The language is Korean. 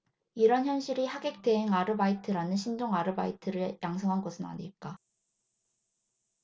이런 현실이 하객 대행 아르바이트라는 신종 아르바이트를 양성한 것은 아닐까